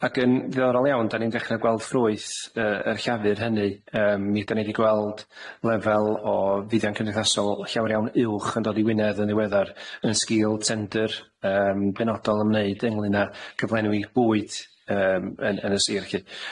Ag yn ddiddorol iawn dan ni'n dechre gweld ffrwyth yy yr llafur hynny yym, mi dan ni di gweld lefel o fuddian cymdeithasol llawer iawn uwch yn dod i Wynedd yn ddiweddar yn sgil tender yym benodol ymwneud ynglŷn â cyflenwi bwyd yym yn yn y Sir a lly.